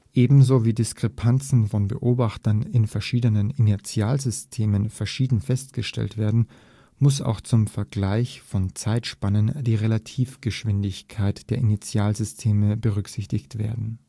Ebenso wie Distanzen von Beobachtern in verschiedenen Inertialsystemen verschieden festgestellt werden, muss auch zum Vergleich von Zeitspannen die Relativgeschwindigkeit der Inertialsysteme berücksichtigt werden